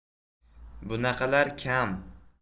bunaqalar kam